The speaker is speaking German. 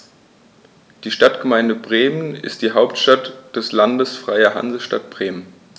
Die Stadtgemeinde Bremen ist die Hauptstadt des Landes Freie Hansestadt Bremen.